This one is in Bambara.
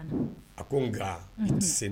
A ko n nka i tɛ se